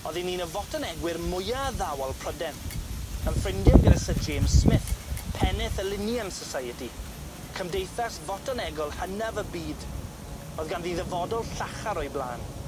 Odd 'i'n un o fotanegwyr mwya addawol Pryden, yn ffrindie gyda Syr James Smith penneth y Linnean Society cymdeithas fotanegol hynaf y byd, o'dd ganddi ddyfodol llachar o'i blân.